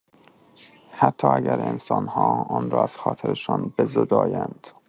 حتی اگر انسان‌ها آن را از خاطرشان بزدایند.